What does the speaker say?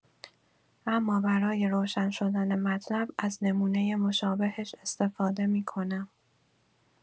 اما برای روشن شدن مطلب از نمونۀ مشابهش استفاده می‌کنم.